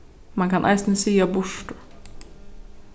mann kann eisini siga burtur